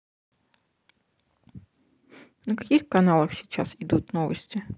на каких каналах сейчас идут новости